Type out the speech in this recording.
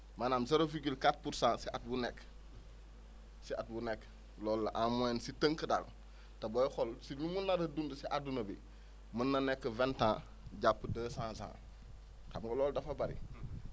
maanaam zero virgule quatre pour cent si at bu nekk si at bu nekk loolu la en moyenne si tënk daal te booy xool si nu mu nar a dund si adduna bi mën na nekk vingt ans jàpp deux cent ans xam nga loolu dafa bëri xala